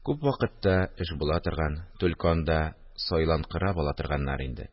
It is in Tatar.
– күп вакытта эш була торган, түлке анда сайланкырап ала торганнар инде